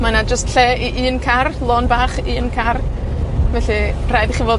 mae 'na jyst lle i un car. Lôn bach, un car, felly rhaid i chi fod